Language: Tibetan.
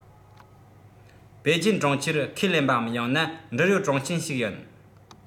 པེ ཅིང གྲོང ཁྱེར ཁས ལེན པའམ ཡང ན འབྲེལ ཡོད གྲོང ཁྱེར ཞིག ཡིན